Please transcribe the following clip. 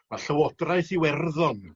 Ma' llywodraeth Iwerddon